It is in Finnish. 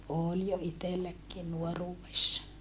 oli jo itselläkin nuoruudessa